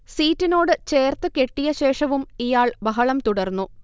സീറ്റിനോട് ചേർത്ത് കെട്ടിയ ശേഷവും ഇയാൾ ബഹളം തുടർന്നു